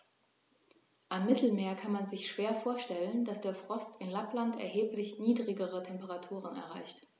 Am Mittelmeer kann man sich schwer vorstellen, dass der Frost in Lappland erheblich niedrigere Temperaturen erreicht.